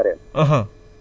waaw kër Allé Marème